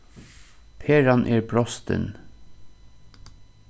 peran er brostin